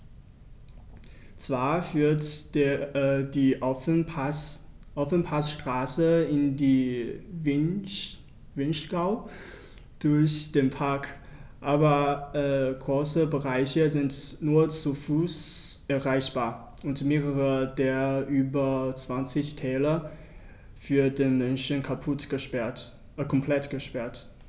Zwar führt die Ofenpassstraße in den Vinschgau durch den Park, aber große Bereiche sind nur zu Fuß erreichbar und mehrere der über 20 Täler für den Menschen komplett gesperrt.